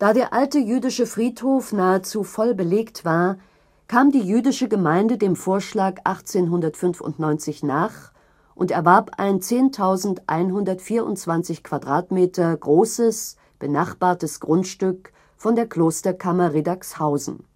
der alte jüdische Friedhof nahezu voll belegt war, kam die Jüdische Gemeinde dem Vorschlag 1895 nach und erwarb ein 10.124 m² großes benachbartes Grundstück von der Klosterkammer Riddagshausen